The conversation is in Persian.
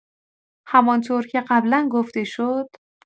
همان‌طور که قبلا گفته شد.